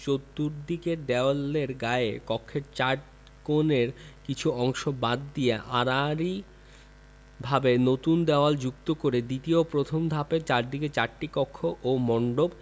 চর্তুদিকের দেয়ালের গায়ে কক্ষের চার কোণের কিছু অংশ বাদ দিয়ে আড়াআড়ি ভাবে নতুন দেয়াল যুক্ত করে দ্বিতীয় ও প্রথম ধাপের চারদিকে চারটি কক্ষ ও মন্ডপ